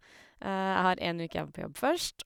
Jeg har én uke igjen på jobb først.